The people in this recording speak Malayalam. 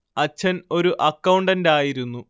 അച്ഛൻ ഒരു അക്കൗണ്ടന്റായിരുന്നു